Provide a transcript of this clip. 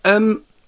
Yym.